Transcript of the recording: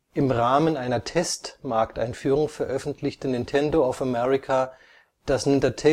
Im Rahmen einer Test-Markteinführung veröffentlichte NoA das NES